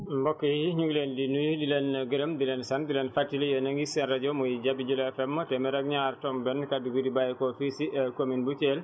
mbokk yi ñu ngi leen di nuyu di leen gërëm di leen sant di leen fàttali yéen a ngi seen rajo muy Jabi jula FM téeméer ak ñaar tomb benn kàddu gi di bàyyeekoo fii si commune bu Thiel